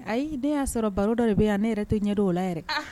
Ayi ne y'a sɔrɔ baro dɔ de bɛ yan ne yɛrɛ tɛ ɲɛda o la yɛrɛ